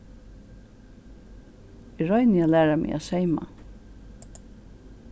eg royni at læra meg at seyma